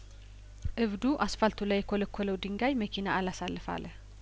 እብዱ አስፋልቱ ላይ የኰለኰ ለው ድንጋይ መኪና አላሳልፍ አለ